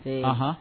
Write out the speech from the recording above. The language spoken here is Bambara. Ahɔn